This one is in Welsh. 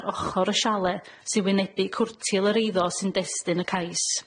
ar ochor y siale sy'n wynebu cwrtil yr eiddo sy'n destyn y cais.